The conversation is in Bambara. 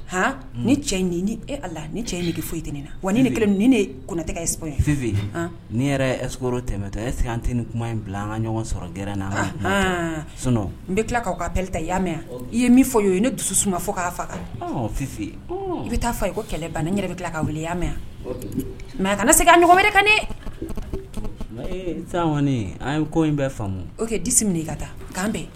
H ni cɛ ɲinin e a la ni cɛ ye nege foyi tɛ ne na wa ni kelen ne kotɛ ye fi nei yɛrɛ tɛmɛ to e sira an tɛ ni kuma in bila an ka ɲɔgɔn sɔrɔ gɛrɛna h n bɛ tila k' ka taali ta yami i ye min fɔ ye ne dusu suma fo k'a fa h fifi yen i bɛ taa fɔ i ko kɛlɛ ban n yɛrɛ bɛ tila ka weele yami nka kana ne se ka ɲɔgɔn wɛrɛ ka di sanɔni an ko in bɛɛ faamumu o kɛ di minɛ i ka taa kan bɛn